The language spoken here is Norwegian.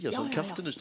ja ja ja.